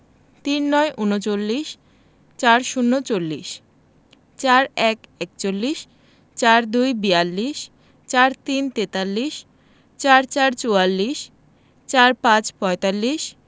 ৩৯ ঊনচল্লিশ ৪০ চল্লিশ ৪১ একচল্লিশ ৪২ বিয়াল্লিশ ৪৩ তেতাল্লিশ ৪৪ চুয়াল্লিশ ৪৫ পঁয়তাল্লিশ